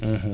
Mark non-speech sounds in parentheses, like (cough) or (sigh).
(hesitation) (hesitation)